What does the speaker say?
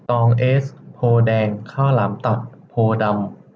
ตองเอซโพธิ์แดงข้าวหลามตัดโพธิ์ดำ